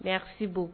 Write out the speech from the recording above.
Baasibo